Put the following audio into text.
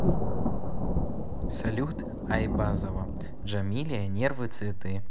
салют айбазова джамиля нервы цветы